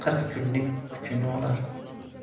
qirq kunlik kuchni olar